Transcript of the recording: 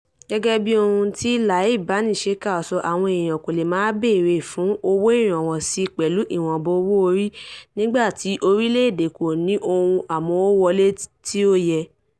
Gẹ́gẹ́ bí ohun tí @LahibBaniSakher sọ, Àwọn èèyàn kò lè máa bèèrè fún owó ìrànwọ́ síi pẹ̀lú ìwọ̀nba owó-orí, nígbà tí orílẹ̀-èdè kò ní ohun amówówọlé tí ó níye.